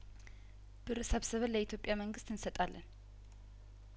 ብር ሰብስበን ለኢትዮጵያ መንግስት እንሰጣለን